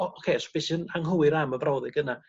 o- oce s' be' sy'n anghywir am y brawddeg yna?